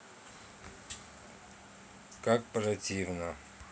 как противно